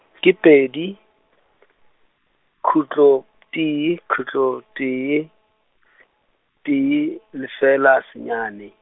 ke pedi , khutlo, tee, khutlo, tee, tee, lefela, senyane.